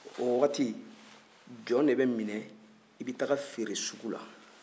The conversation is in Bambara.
o waati jɔn de bɛ minɛ i bɛ taa feere sugu la